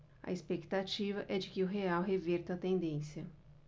a expectativa é de que o real reverta a tendência